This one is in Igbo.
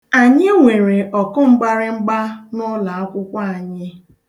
Anyị nwere ọkụ mgbarịmgba n'ụlọakwụkwọ anyị.